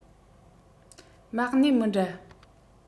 མ གནས མི འདྲ